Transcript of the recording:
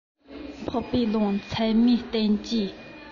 འཕགས པའི ལུང ཚད མའི བསྟན བཅོས